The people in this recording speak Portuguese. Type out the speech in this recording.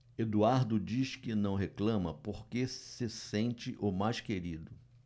eduardo diz que não reclama porque se sente o mais querido